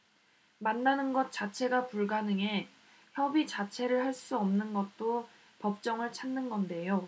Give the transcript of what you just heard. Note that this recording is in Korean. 만나는 것 자체가 불가능해 협의 자체를 할 수 없는 것도 법정을 찾는 건데요